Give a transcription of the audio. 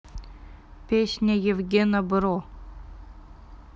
песня евгена бро